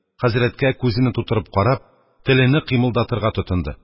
Хәзрәткә күзене тутырып карап, телене кыймылдатырга тотынды.